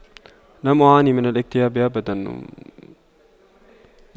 لم أعاني من الاكتئاب أبدا